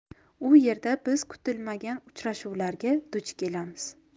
u yerda biz kutilmagan uchrashuvlarga duch kelamiz